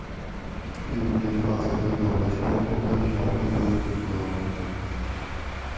filmga falsafiy yondashgan holda 'yolg'iz bo'ri' deb nomlaganmiz